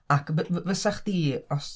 ac f- fysa chdi... os...